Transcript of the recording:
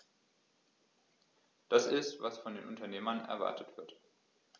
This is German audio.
Das ist, was von den Unternehmen erwartet wird.